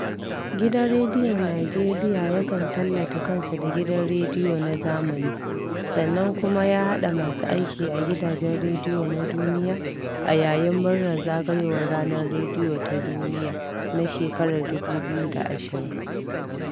Gidan Rediyon Nijeriya yakan tallata kansa da " Gidan rediyo na zamani", sannan kuma ya haɗa masu aiki a gidajen rediyo na duniya a yayin murnar zagayowar Ranar Rediyo Ta Duniya na shekarar 2020.